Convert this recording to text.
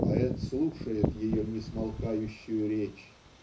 поэт слушает ее несмолкающую речь.